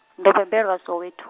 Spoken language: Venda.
ndo bebelwa Soweto.